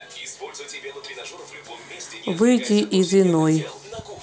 выйти из иной